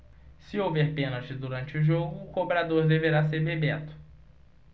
se houver pênalti durante o jogo o cobrador deverá ser bebeto